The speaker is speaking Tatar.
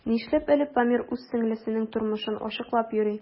Нишләп әле Памир үз сеңлесенең тормышын ачыклап йөри?